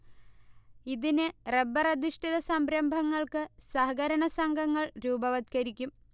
ഇതിന് റബ്ബറധിഷ്ഠിത സംരംഭങ്ങൾക്ക് സഹകരണ സംഘങ്ങൾ രൂപവത്കരിക്കും